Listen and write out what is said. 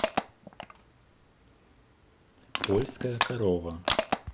польская корова